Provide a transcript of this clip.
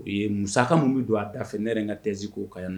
U ye muka minnu bɛ don a da fɛ ne ye n ka tɛz k'o ka yan na